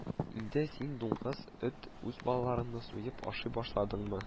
Инде син, дуңгыз, эт, үз балаларыңны суеп ашый башладыңмы